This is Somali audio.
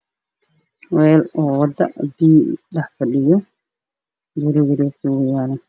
Halkaan waxaa ka muuqdo biyo daad ah oo socdo geeskiisana waxaa ku yaalo guryo